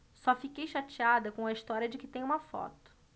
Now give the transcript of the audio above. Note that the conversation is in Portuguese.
só fiquei chateada com a história de que tem uma foto